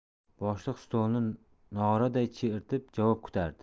boshliq stolni nog'oraday chertib javob kutardi